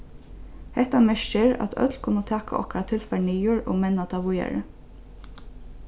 hetta merkir at øll kunnu taka okkara tilfar niður og menna tað víðari